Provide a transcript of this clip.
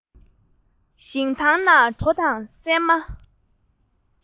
ཞིང ཐང ན གྲོ དང སྲན མ